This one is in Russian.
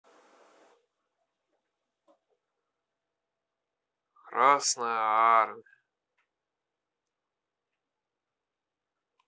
красная армия